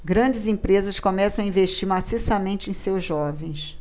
grandes empresas começam a investir maciçamente em seus jovens